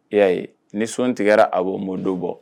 Y'a ye ni sɔn tigɛra a bɔbondo bɔ